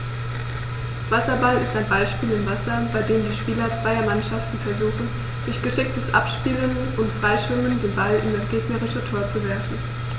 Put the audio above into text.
Wasserball ist ein Ballspiel im Wasser, bei dem die Spieler zweier Mannschaften versuchen, durch geschicktes Abspielen und Freischwimmen den Ball in das gegnerische Tor zu werfen.